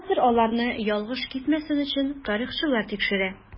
Хәзер аларны ялгыш китмәсен өчен тарихчылар тикшерә.